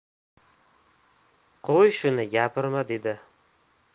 qo'y shuni gapirma dedi